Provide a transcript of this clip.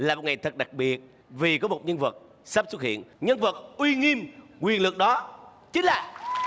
là một ngày thật đặc biệt vì có một nhân vật sắp xuất hiện nhân vật uy nghiêm quyền lực đó chính là